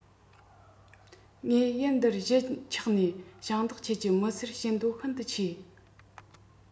ངས ཡུལ འདིར གཞིས ཆགས ནས ཞིང བདག ཁྱེད ཀྱི མི སེར བྱེད འདོད ཤིན ཏུ ཆེ